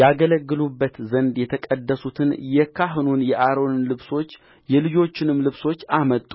ያገለግሉበት ዘንድ የተቀደሱትን የካህኑን የአሮንን ልብሶች የልጆቹንም ልብሶች አመጡ